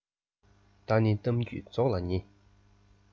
ད ནི གཏམ རྒྱུད རྫོགས ལ ཉེ